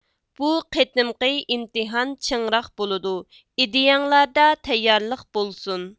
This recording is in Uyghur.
بۇ قېتىمقى ئىمتىھان چىڭراق بولىدۇ ئىدىيەڭلەردە تەييارلىق بولسۇن